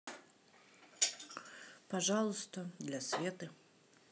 пожалуйста для светы